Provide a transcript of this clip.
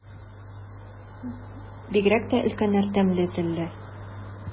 Бигрәк тә өлкәннәр тәмле телле.